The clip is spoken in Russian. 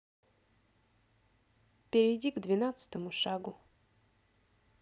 перейди к двенадцатому шагу